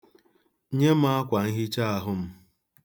Nye m akwanhichaahụ m.